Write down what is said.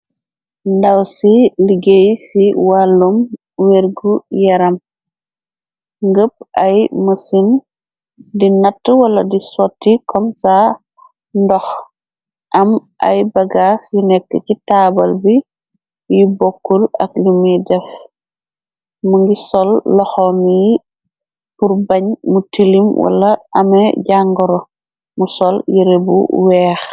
Ndaw ci liggéey ci wàlloom wergu yaram ngëpp ay mësin di natt. Wala di sotti kom sa ndox am ay bagaas yi nekk ci taabal bi. Yu bokkul ak limu def mu ngi sol loxo mi pur bañ mu tilim. Wala ame jàngoro mu sol yere bu weex.